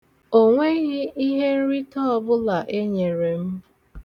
O nweghị ihenrite ọbụla e nyere m.